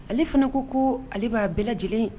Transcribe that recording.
Ale fana ko ko ale ba bɛɛ lajɛlen